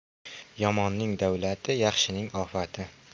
yomonning davlati yaxshining ofati